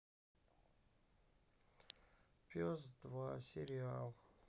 пес два сериал